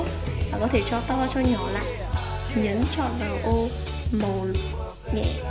sau đó bạn có thể cho to nhỏ lại nhấn chọn vào ô màu nhẹ